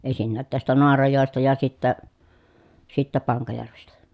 ensinnäkin tästä Naarajoesta ja sitten sitten Pankajärvestä